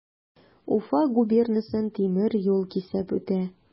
Уфа губернасын тимер юл кисеп үтә.